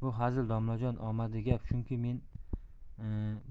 bu hazil domlajon omadi gap shuki men